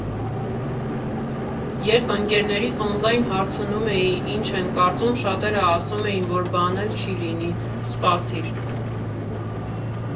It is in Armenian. Երբ ընկերներիս օնլայն հարցնում էի՝ ինչ են կարծում, շատերը ասում էին, որ բան էլ չի լինի, սպասիր։